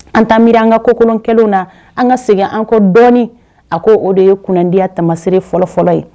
An ta miiri an ŋa kokolon kɛlenw na an ŋa segin an kɔ dɔɔnin a ko o de ye kunandiya taamasere fɔlɔ-fɔlɔ ye.